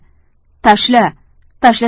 tashla tashlasang chi